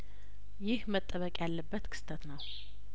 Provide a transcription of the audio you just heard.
ይህ መጠበቅ ያለበት ክስተት ነው